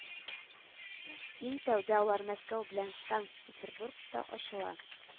Иң тәүдә алар Мәскәү белән Санкт-Петербургта ачыла